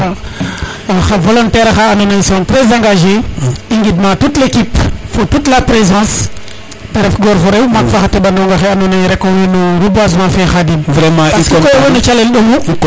xa volontaire axa ando naye se sont trés engager i ngid ma toute l'équipe toute la présence te ref goor fo rew fo xa teɓanonga xe ando naye rek owey no reboisement fe Khadim parce que koy owey no calel ɗomu